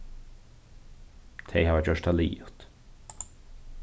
tey hava gjørt tað liðugt